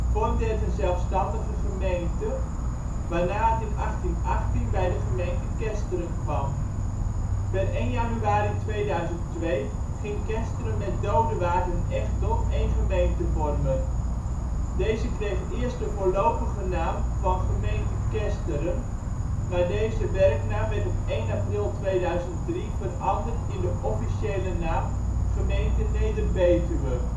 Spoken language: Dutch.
vormde het een zelfstandige gemeente, waarna het in 1818 bij de gemeente Kesteren kwam. Per 1 januari 2002 ging Kesteren met Dodewaard en Echteld één gemeente vormen. Deze kreeg eerst de voorlopige naam van ' gemeente Kesteren ' maar deze werknaam werd op 1 april 2003 veranderd in de officiële naam ' gemeente Neder-Betuwe